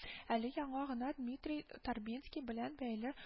Әле яңа гына Дмитрий Торбинский белән бәйле